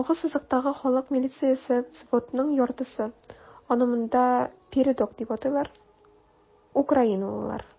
Алгы сызыктагы халык милициясе взводының яртысы (аны монда "передок" дип атыйлар) - украиналылар.